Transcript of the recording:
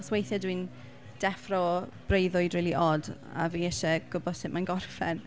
Achos weithiau dwi'n deffro o breuddwyd rili od a fi isie gwybod sut mae'n gorffen.